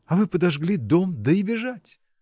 А вы подожгли дом да и бежать!